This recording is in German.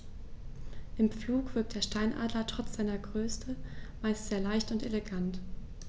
Im Flug wirkt der Steinadler trotz seiner Größe meist sehr leicht und elegant.